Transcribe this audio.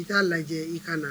I k'a lajɛ i ka na.